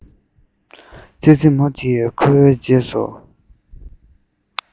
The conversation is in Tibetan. ཙི ཙི མོ དེས ཁོའི རྗེས སུ